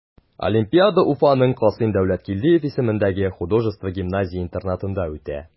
Олимпиада Уфаның Касыйм Дәүләткилдиев исемендәге художество гимназия-интернатында үтә.